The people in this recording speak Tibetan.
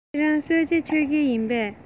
ཁྱོད རང གསོལ ཇ མཆོད ཀས ཡིན པས